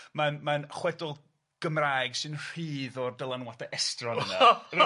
ma'n ma'n chwedl Gymraeg sy'n rhydd o'r dylanwade estron yna.